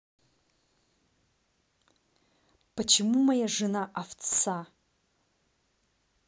почему моя жена овца